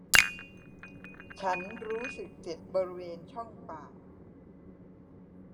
ฉันรู้สึกเจ็บบริเวณช่องปาก